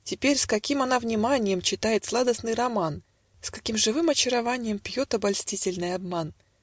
Теперь с каким она вниманьем Читает сладостный роман, С каким живым очарованьем Пьет обольстительный обман!